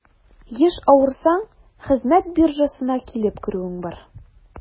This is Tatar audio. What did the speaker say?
Еш авырсаң, хезмәт биржасына килеп керүең бар.